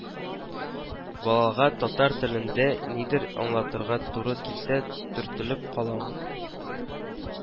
Балага татар телендә нидер аңлатырга туры килсә, төртелеп калам